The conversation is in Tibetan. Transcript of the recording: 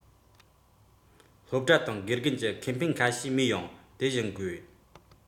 དད ལྡན མང ཚོགས ཀྱི བརྩེ དུང གནོད འཚེ ཐེབས པ ཁོ ཐག རེད